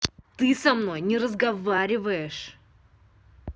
ты со мной не разговариваешь